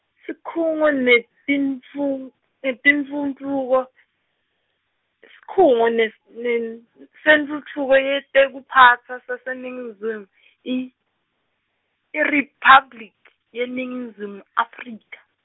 sikhungo netintfu- netinfutluko-, sikhungo nes- nen- seNtfutfuko yetekuphatsa yaseNingizimu i- IRiphabliki yeNingizimu Afrika.